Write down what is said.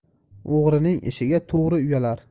o'g'rining ishiga to'g'ri uyalar